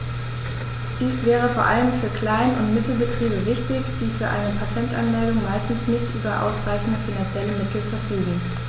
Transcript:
Dies wäre vor allem für Klein- und Mittelbetriebe wichtig, die für eine Patentanmeldung meistens nicht über ausreichende finanzielle Mittel verfügen.